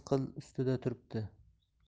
qil ustida turibdi